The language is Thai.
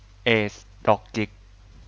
เอซดอกจิก